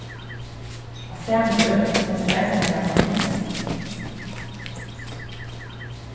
á sama øki stendur eisini eitt gamalt neyst